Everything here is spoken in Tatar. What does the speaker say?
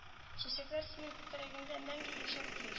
Чәчәкләр синең күкрәгеңдә мәңге яшәргә тиеш